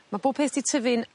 Ma' bob peth 'di tyfu'n